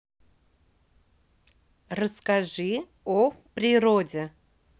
расскажи о природе